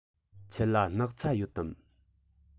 ཁྱེད ལ སྣག ཚ ཡོད དམ